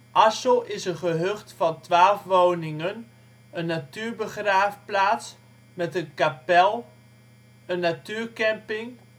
Assel is een gehucht van 12 woningen, een natuurbegraafplaats met een kapel (de Heilige-Geestkapel), een natuurcamping